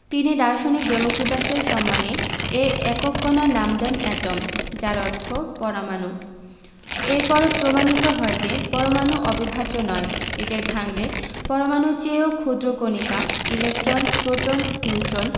তিনি দার্শনিক ডেমোক্রিটাসের সম্মানে এ একক কণার নাম দেন এটম যার অর্থ পরমাণু এর পরে প্রমাণিত হয় যে পরমাণু অবিভাজ্য নয় এদের ভাঙলে পরমাণুর চেয়েও ক্ষুদ্র কণিকা ইলেকট্রন প্রোটন নিউট্রন